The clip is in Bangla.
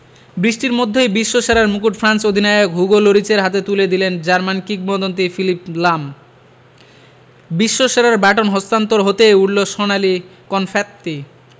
বৃষ্টির মধ্যেই বিশ্বসেরার মুকুট ফ্রান্স অধিনায়ক হুগো লরিসের হাতে তুলে দিলেন জার্মান কিংবদন্তি ফিলিপ লাম বিশ্বসেরার ব্যাটন হস্তান্তর হতেই উড়ল সোনালি কনফেত্তি